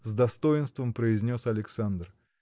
– с достоинством произнес Александр